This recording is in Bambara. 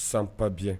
sent pas bien